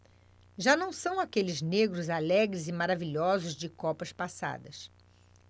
já não são aqueles negros alegres e maravilhosos de copas passadas